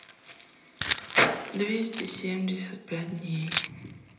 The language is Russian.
двести семьдесят пять дней